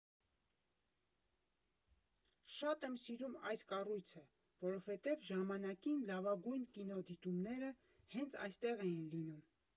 Շատ եմ սիրում այս կառույցը, որովհետև ժամանակին լավագույն կինոդիտումները հենց այստեղ էին լինում։